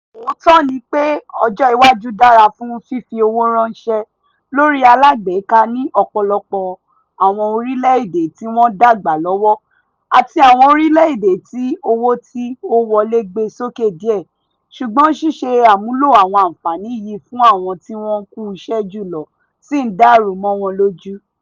Òótọ́ ni pé ọjọ́ iwájú dára fún fífi owó ránṣẹ́ lórí alágbèéká ní ọ̀pọ̀lọpọ̀ àwọn orílẹ̀ èdè tí wọ́n ń dàgbà lọ́wọ́ àti àwọn orílẹ̀ èdè tí owó tí ó wọlé gbé sókè díẹ̀ ṣùgbọ́n ṣíṣe àmúlò àwọn àǹfààní yìí fún àwọn tí wọ́n kúṣẹ̀ẹ́ jùlọ sì ń dàrú mọ́ wọn lójú.